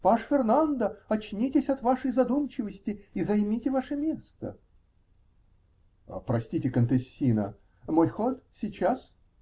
Паж Фернандо, очнитесь от вашей задумчивости и займите ваше место. -- Простите, контессина. Мой ход? Сейчас.